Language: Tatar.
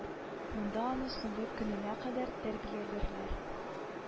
Монда аны соңгы көненә кадәр тәрбияләрләр